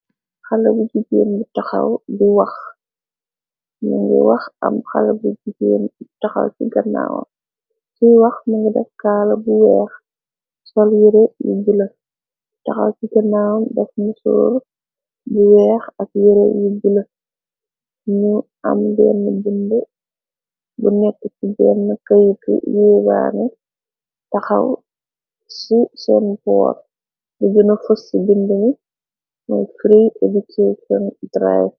Xala bi jugeen bu taxaw bi wax mingi wax am xala bi jen taxaw ci gannaawam ciy wax. Mi ngi dakkaala bu eex sol yere yu bulë taxaw ci gannaawam. Def mu soor bu weex ak yere yu bulë. Nu am benn bind bu nekk ci denn këytu yébaane taxaw ci seen bor. Di gina fos ci bind ni mooy free education drive.